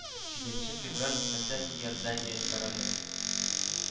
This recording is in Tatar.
Җиденче февраль хөсәен иордания короле